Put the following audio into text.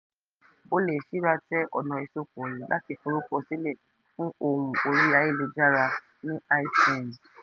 O lè síratẹ ọ̀nà-ìsopọ̀ yìí láti forúkọsílẹ̀ fún ohùn orí ayélujára ní iTunes.